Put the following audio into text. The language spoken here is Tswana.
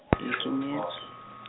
e ke nyetsa.